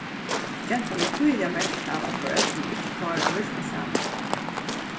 gentan er týðiliga merkt av at foreldrini ikki klára at virka saman